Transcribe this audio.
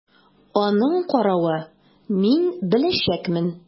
Аның каравы, мин беләчәкмен!